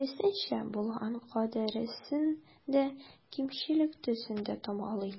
Киресенчә, булган кадәресен дә кимчелек төсендә тамгалый.